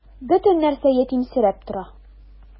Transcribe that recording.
Бөтен нәрсә ятимсерәп тора.